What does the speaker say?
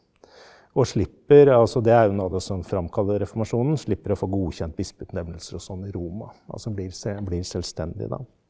og slipper, altså det er jo noe av det som fremkaller reformasjonen, slipper å få godkjent bispeutnevnelser og sånn i Roma, altså blir blir selvstendig da.